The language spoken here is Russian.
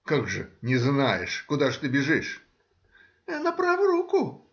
— Как же не знаешь: куда же ты бежишь? — На праву руку.